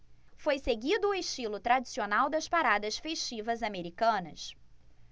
foi seguido o estilo tradicional das paradas festivas americanas